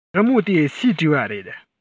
རི མོ དེ སུས བྲིས པ རེད